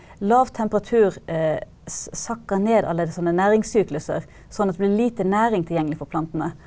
lav temperatur sakker ned alle sånn næringssykluser, sånn at det blir lite næring tilgjengelig for plantene.